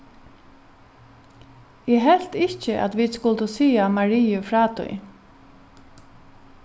eg helt ikki at vit skuldu siga mariu frá tí